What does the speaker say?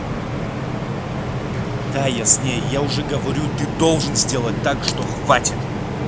да я с ней я уже говорю ты должен сделать так что хватит